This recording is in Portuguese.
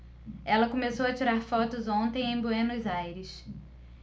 ela começou a tirar fotos ontem em buenos aires